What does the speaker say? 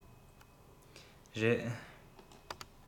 རེད